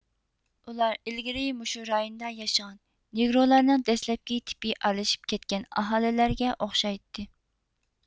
ئۇلار ئىلگىرى مۇشۇ رايوندا ياشىغان نېگرولارنىڭ دەسلەپكى تىپى ئارىلىشىپ كەتكەن ئاھالىلەرگە ئوخشايتتى